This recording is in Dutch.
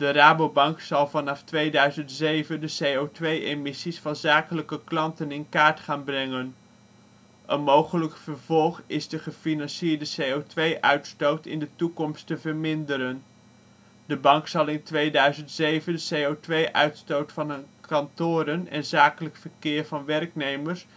Rabobank zal vanaf 2007 de CO2-emissies van zakelijke klanten in kaart gaan brengen, een mogelijk vervolg is de gefinancierde CO2-uitstoot in de toekomst te verminderen. De bank zal in 2007 de CO2-uitstoot van haar kantoren en (zakelijk) verkeer van werknemers